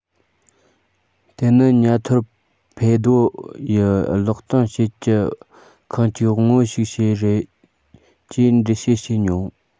དེ ནི ཉ ཐོར ཕེ སྡོ ཡི གློག གཏོང བྱེད ཀྱི ཁུངས གཅིག དབང པོ ཞིག རེད ཅེས འགྲེལ བཤད བྱས མྱོང